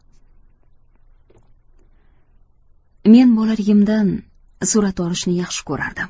men bolaligimdan surat olishni yaxshi ko'rardim